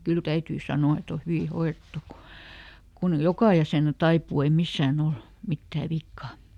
kyllä täytyy sanoa että on hyvin hoidettu kun kun joka jäsen taipuu ei missään ole mitään vikaa